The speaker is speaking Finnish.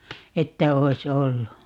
että olisi ollut